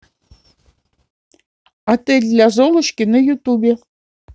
отель для золушки на ютубе